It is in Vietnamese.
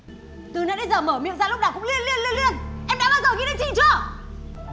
từ nãy đến giờ mở miệng ra lúc nào cũng liên liên liên liên em đã bao giờ nghĩ đến chị chưa